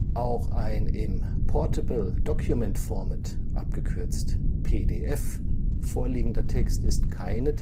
Auch ein im Portable Document Format (PDF) vorliegender Text ist keine